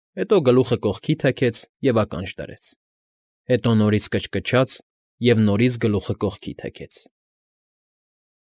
Հետո գլուխը կողքի թեքեց և ականջ դրեց, հետո նորից կչկչաց և նորից գլուխը կողքի թեքեց։ ֊